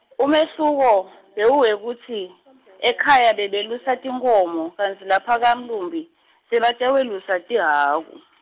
umehluko, bewuwekutsi, ekhaya bebelusa tinkhomo, kantsi lapha kamlumbi, sebatawelusa tihhaku.